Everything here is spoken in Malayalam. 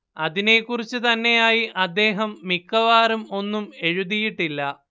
അതിനെക്കുറിച്ച് തന്നെയായി അദ്ദേഹം മിക്കവാറും ഒന്നും എഴുതിയിട്ടില്ല